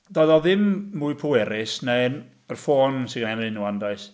Doedd o ddim mwy pwerus na'r ffôn sydd genna i'n fan hyn rŵan, does.